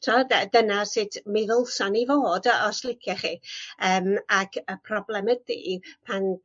T'wod dyna sut mi ddylsan ni fod yy os liciach chi. Yym ag y problem ydi pan